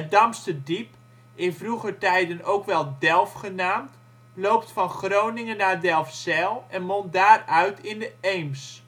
Damsterdiep (in vroeger tijden ook wel Delf genaamd) loopt van Groningen naar Delfzijl en mondt daar uit in de Eems